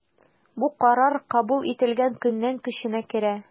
Бу карар кабул ителгән көннән көченә керә.